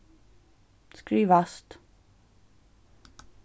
skrivast